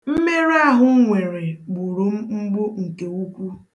Mmerụ ahụ m nwere gburu m mgbu nke ukwu.